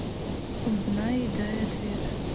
узнай и дай ответ